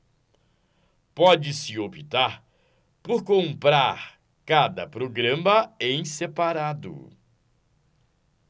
pode-se optar por comprar cada programa em separado